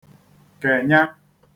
kènya